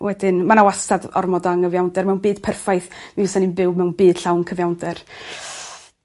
Wedyn ma' 'na wastad ormod o angyfiawnder mewn byd perffaith mi fysan ni'n byw mewn byd llawn cyfiawnder.